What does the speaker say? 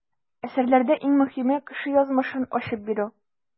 Әсәрләрдә иң мөһиме - кеше язмышын ачып бирү.